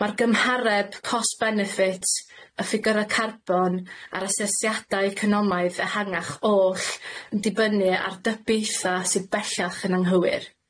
Ma'r gymhareb cost-benefit y ffigyra' carbon a'r asesiadau economaidd ehangach oll yn dibynnu ar dybiaetha' sydd bellach yn anghywir.